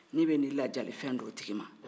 ne bɛ ni lajalifɛn di o tigi man